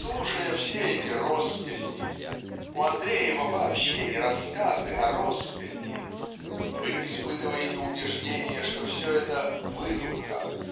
слушая все эти россказни (у Андреева вообще не рассказы а россказни) вы испытываете убеждение что все эго выдумка